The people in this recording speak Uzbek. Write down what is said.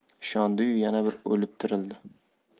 ishondi yu yana bir o'lib tirildi